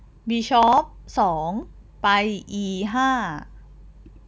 บิชอปสองไปอีห้า